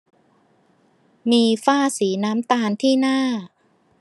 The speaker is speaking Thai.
มีฝ้าสีน้ำตาลที่หน้า